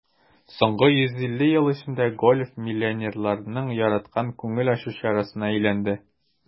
Соңгы 150 ел эчендә гольф миллионерларның яраткан күңел ачу чарасына әйләнде.